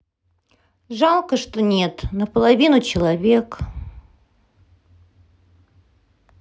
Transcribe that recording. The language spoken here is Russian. жалко что нет наполовину человек